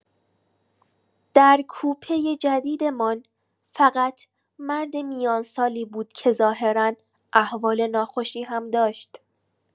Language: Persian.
در کوپۀ جدیدمان فقط مرد میانسالی بود که ظاهرا احوال ناخوشی هم داشت.